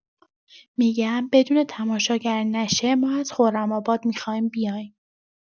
می‌گم بدون تماشاگر نشه ما از خرم‌آباد می‌خوایم بیایم.